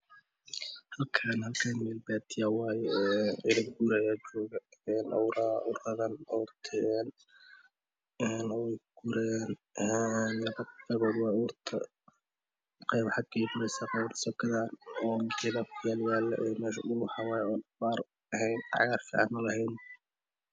Halkan wamelbadiyo ahwaye Ee ariguraye joga Een orauroran ortal weykagurayan Een waxeyfirineysa sokadan gedakuyalyalo Een mesha dhulwaxa waye awar ahen cagarficanalaheen